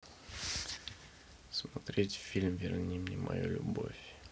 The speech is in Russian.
смотреть фильм верни мою любовь